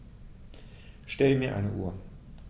Stell mir eine Uhr.